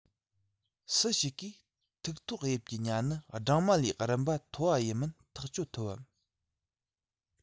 སུ ཞིག གིས ཐིག ཕོར དབྱིབས ཀྱི ཉ ནི སྦྲང མ ལས རིམ པ མཐོ བ ཡིན མིན ཐག གཅོད ཐུབ བམ